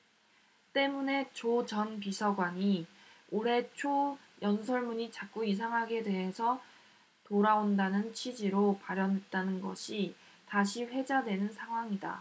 때문에 조 전 비서관이 올해 초 연설문이 자꾸 이상하게 돼서 돌아온다는 취지로 발언했다는 것이 다시 회자되는 상황이다